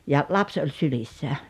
ja lapsi oli sylissä